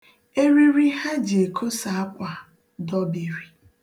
Eriri ha ji ekosa akwa dọbiri.